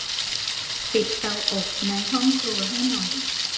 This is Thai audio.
ปิดเตาอบในห้องครัวให้หน่อย